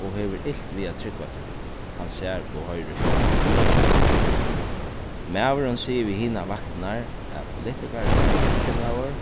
og hevur ilt við at trúgva tí hann sær og hoyrir í sjónvarpinum maðurin sigur við hinar vaktirnar at politikarin er ørkymlaður